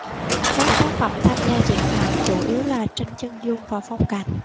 các tác phẩm tham gia triển lãm chủ yếu là tranh chân dung và phong cảnh